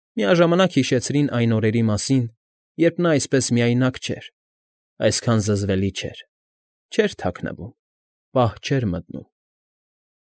Միաժամանակ հիշեցրին այն օրերի մասին, երբ նա այսպես միայնակ չէր, այսքան զզվելի չէր, չէր թաքնվում, պահ չէր մտնում։